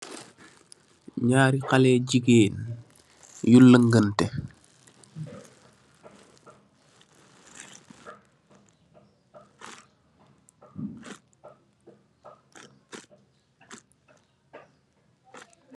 Nyaari khaleh yi jigain, yu leungeun teuh.